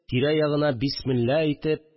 Тирә-ягына бисмилла әйтеп